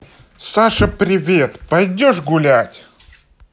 саша привет пойдешь гулять